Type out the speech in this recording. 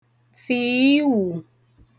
fìiwù